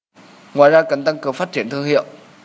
ngoài ra cần tăng cường phát triển thương hiệu